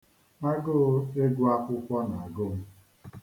Agụụ ịgụ akwụkwọ na-agụ m.